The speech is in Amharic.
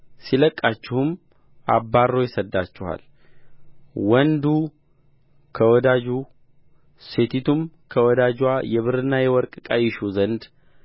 ሲለቅቃችሁም አባርሮ ይሰድዳችኋል ወንዱ ከወዳጁ ሴቲቱም ከወዳጅዋ የብርና የወርቅ ዕቃ ይሹ ዘንድ